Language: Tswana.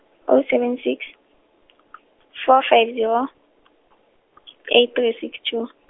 oh seven six , four five zero , eight three six two .